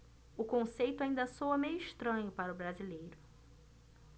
o conceito ainda soa meio estranho para o brasileiro